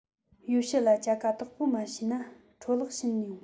ཡོ བྱད ལ ཅ ག དག པོ མ བྱས ན འཕྲོ བརླག ཕྱིན ཡོང